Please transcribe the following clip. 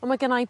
On' ma' gennai